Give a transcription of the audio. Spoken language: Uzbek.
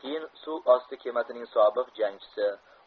keyin suv osti kemasining sobiq jangchisi